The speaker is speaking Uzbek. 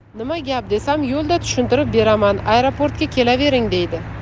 nima gap desam yo'lda tushuntirib beraman aeroportga kelavering deydi